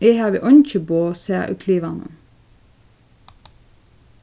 eg havi eingi boð sæð í klivanum